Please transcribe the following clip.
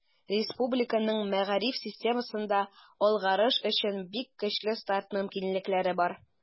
Республиканың мәгариф системасында алгарыш өчен бик көчле старт мөмкинлекләре бар.